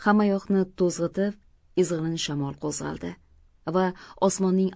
hammayoqni to'zitib izg'irin shamol qo'zg'aldi va osmonning